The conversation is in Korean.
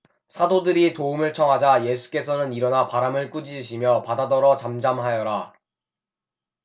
사도들이 도움을 청하자 예수께서는 일어나 바람을 꾸짖으시며 바다더러 잠잠하여라